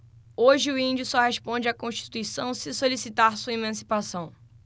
hoje o índio só responde à constituição se solicitar sua emancipação